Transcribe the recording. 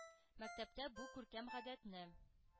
Мәктәптә бу күркәм гадәтне